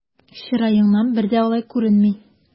Чыраеңнан бер дә алай күренми!